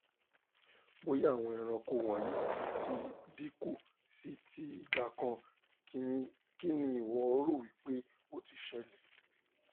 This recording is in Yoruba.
"bóyá àwọn ẹranko wọ̀nyí ti dínkù sí ti ìgbà kan, kí ni ìwọ rò wípé ó ti ṣẹlẹ̀?"